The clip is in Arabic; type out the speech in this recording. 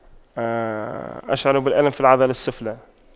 أشعر بالألم في العضلة السفلى